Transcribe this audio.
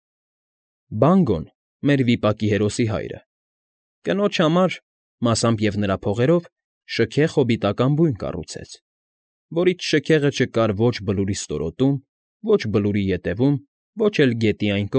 Բանգոն մեր վիպակի հերոսի հայրը, կնոջ համար (մասամբ և նրա փողերով) շքեղ հոբիտական բույն կառուցեց, որից շքեղը չկար ո՛չ Բլուրի ստորոտում, ո՛չ էլ Բլուրի ետևում, ո՛չ էլ Գետի Այն։